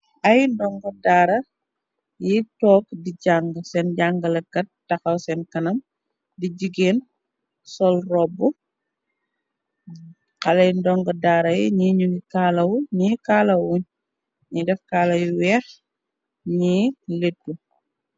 Ay ndongo dara yi tóóg di jang, sèèn jangaleh Kai taxaw sèèn kanam di jigeen sol róbbu. Xalèh ndongo dara yi ñi ngi kalawu ñi kalawuñ, ñi def kala yu wèèx ñi lèttu.